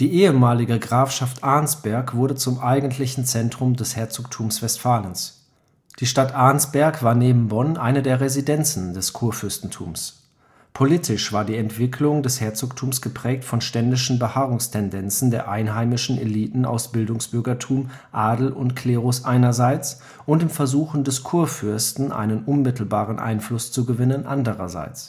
ehemalige Grafschaft Arnsberg wurde zum eigentlichen Zentrum des Herzogtums Westfalens. Die Stadt Arnsberg war neben Bonn eine der Residenzen des Kurfürstentums. Politisch war die Entwicklung des Herzogtums geprägt von ständischen Beharrungstendenzen der einheimischen Eliten aus Bildungsbürgertum, Adel und Klerus einerseits und den Versuchen des Kurfürsten, einen unmittelbaren Einfluss zu gewinnen, andererseits